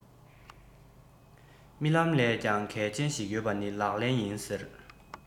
རྨི ལམ ལས ཀྱང གལ ཆེན ཞིག ཡོད པ ནི ལག ལེན ཡིན ཟེར